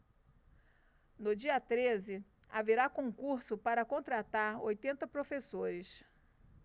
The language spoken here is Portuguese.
no dia treze haverá concurso para contratar oitenta professores